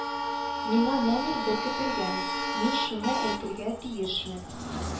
- миңа номер беркетелгән, мин шуны әйтергә тиешмен